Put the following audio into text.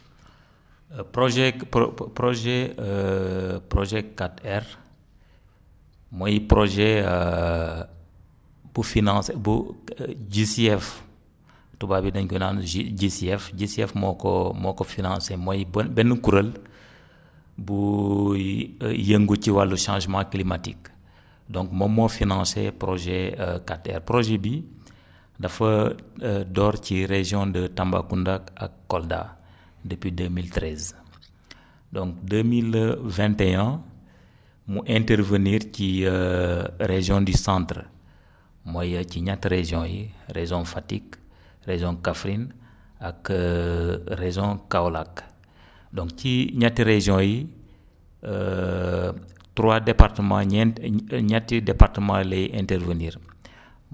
projet pro projet projet 4R mooy projet bu finance bu JCF tubaab yi dañu ko naan JCF JCF moo ko moo ko financé mooy benn kuréel bu buy yëngu ci wàllu changement climatique donc moom moo financé projet 4R projet bii dafa door ci région de Tambacounda ak Kolda depuis deux mille treize donc deux mille vingt et un mu intervenir ci région du centre mooy ci ñetti région yii région Fatick région Kaffrine ak région Kaolack donc ci ñetti régions yii 3 départements ñenti ñe ñe ñetti départements lay intervenir